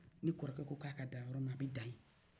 n'i kɔrɔkɛ ko a ka dan yɔrɔ min na a bɛ jɔ ye